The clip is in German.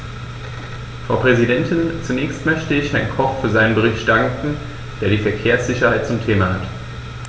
Frau Präsidentin, zunächst möchte ich Herrn Koch für seinen Bericht danken, der die Verkehrssicherheit zum Thema hat.